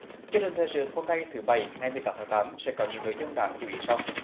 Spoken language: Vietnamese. chương trình thời sự hôm nay thứ bảy ngày mười tám tháng tám sẽ có những nội dung đáng chú ý sau